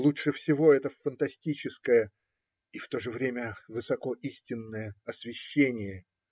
Лучше всего это фантастическое и в то же время высоко истинное освещение.